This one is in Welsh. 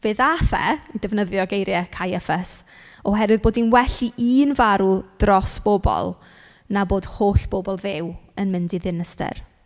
Fe ddaeth e, i ddefnyddio geiriau Caiaffas, oherwydd bod hi'n well i un farw dros bobl na bod holl bobl Dduw yn mynd i ddinistr.